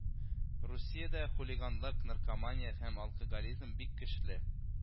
Русиядә хулиганлык, наркомания һәм алкоголизм бик көчле